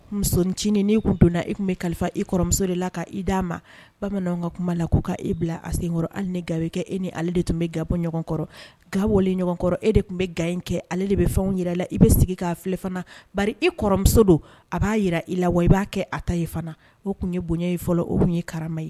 Musonincinin kun donnana e tun bɛ kalifa i kɔrɔmuso de la ka i d'a ma bamanan ka kuma la k'u' e bila a senkɔrɔ hali ni gafe kɛ e ni ale de tun bɛ ga bɔ ɲɔgɔnkɔrɔ ga bɔlen ɲɔgɔnkɔrɔ e de tun bɛ ga in kɛ ale de bɛ fɛnw yɛrɛ la i bɛ sigi k' fi fana ba i kɔrɔmuso don a b'a jira i la wa i b'a kɛ a ta ye fana o tun ye bonya fɔlɔ o tun ye karama ye